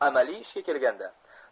amaliy ishga kelganda